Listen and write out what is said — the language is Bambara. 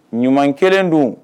Ɲuman kelen don